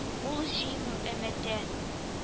Ул җиңү өмете